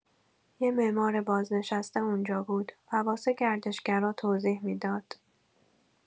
یه معمار بازنشسته اونجا بود و واسه گردشگرا توضیح می‌داد.